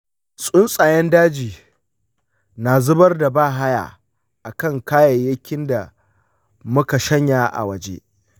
tsuntsayen daji na zubar da bahaya a ka kayayyakin da muka shanya a waje.